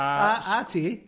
A a ti?